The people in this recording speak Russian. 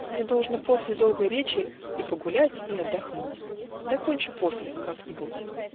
Мне должно после долгой речи И погулять и отдохнуть: Докончу после как-нибудь.